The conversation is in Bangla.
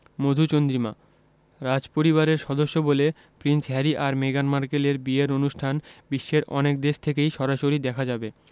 মধুচন্দ্রিমা রাজপরিবারের সদস্য বলে প্রিন্স হ্যারি আর মেগান মার্কেলের বিয়ের অনুষ্ঠান বিশ্বের অনেক দেশ থেকেই সরাসরি দেখা যাবে